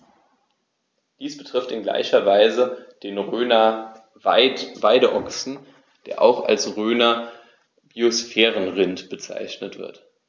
Dies betrifft in gleicher Weise den Rhöner Weideochsen, der auch als Rhöner Biosphärenrind bezeichnet wird.